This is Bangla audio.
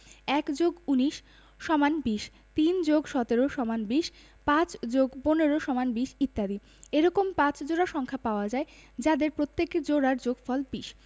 ১+১৯=২০ ৩+১৭=২০ ৫+১৫=২০ ইত্যাদি এরকম ৫ জোড়া সংখ্যা পাওয়া যায় যাদের প্রত্যেক জোড়ার যোগফল ২০